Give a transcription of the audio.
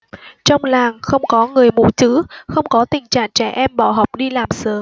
trong làng không có người mù chữ không có tình trạng trẻ em bỏ học đi làm sớm